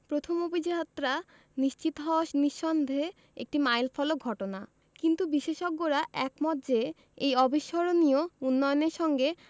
প্রথম অভিযাত্রা নিশ্চিত হওয়া নিঃসন্দেহে একটি মাইলফলক ঘটনা কিন্তু বিশেষজ্ঞরা একমত যে এই অবিস্মরণীয় উন্নয়নের সঙ্গে